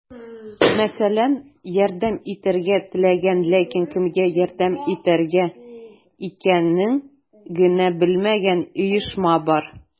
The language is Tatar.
Мәсәлән, ярдәм итәргә теләгән, ләкин кемгә ярдәм итергә икәнен генә белмәгән оешма бар.